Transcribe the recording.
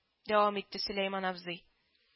Дәвам итте сөләйман абзый